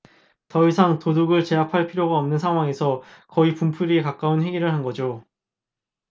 더 이상 도둑을 제압할 필요가 없는 상황에서 거의 분풀이에 가까운 행위를 한 거죠